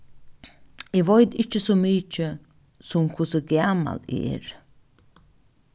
eg veit ikki so mikið sum hvussu gamal eg eri